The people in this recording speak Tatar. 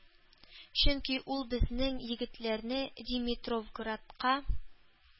Чөнки ул безнең егетләрне димитровградка